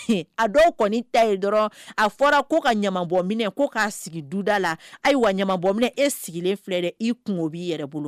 A dɔw kɔni ta dɔrɔn a fɔra ko ka k'a sigi duda la ayiwaminɛ e sigilen filɛ i kun b'i yɛrɛ bolo